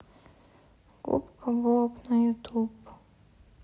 губка боб на ютуб